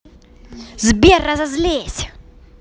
сбер разозлись